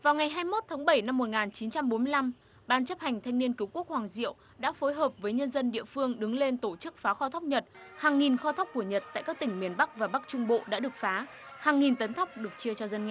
vào ngày hai mốt tháng bảy năm một ngàn chín trăm bốn lăm ban chấp hành thanh niên cứu quốc hoàng diệu đã phối hợp với nhân dân địa phương đứng lên tổ chức phá kho thóc nhật hàng nghìn kho thóc của nhật tại các tỉnh miền bắc và bắc trung bộ đã được phá hàng nghìn tấn thóc được chia cho dân nghèo